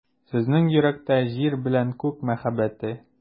Сезнең йөрәктә — Җир белә Күк мәхәббәте.